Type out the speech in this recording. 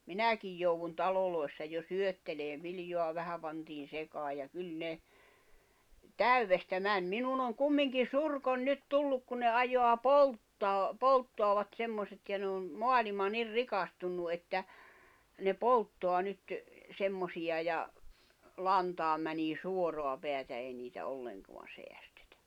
minäkin jouduin taloissa jo syöttelemään viljaa vähän pantiin sekaan ja kyllä ne täydestä meni minun on kumminkin surkoni nyt tullut kuin ne ajaa polttaa polttavat semmoiset ja ne on maailma niin rikastunut että ne polttaa nyt semmoisia ja lantaan menee suoraa päätä ei niitä ollenkaan säästetä